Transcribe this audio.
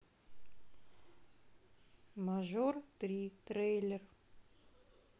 мажор три трейлер